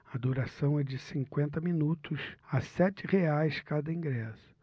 a duração é de cinquenta minutos a sete reais cada ingresso